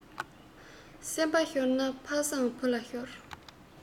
སེམས པ ཤོར ན ཕ བཟང བུ ལ ཤོར